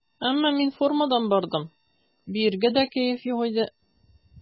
Әмма мин формадан бардым, биергә дә кәеф юк иде.